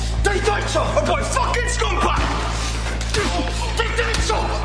Deud o eto! Ma' boi ffycin scumbag! Deud o eto!